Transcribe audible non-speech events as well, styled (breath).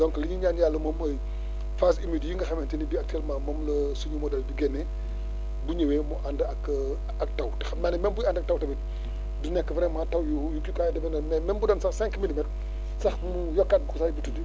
donc li ~uy ñaan yàlla moom mooy (breath) phase humide yi nga xamante ni bii actuellement moom la suñu météo yi di génnee bu ñëwee mu ànd ak ak taw te xam naa ne même buy ànd ak taw tamit (breath) dina nekk vraiment taw yu kii quoi dama ne mais même bu doon sax cinq milimètres (breath) sax mu yokkaat * tuuti